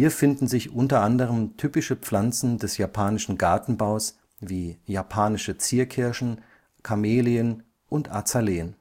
finden sich unter anderem typische Pflanzen des japanischen Gartenbaus wie Japanische Zierkirschen, Kamelien und Azaleen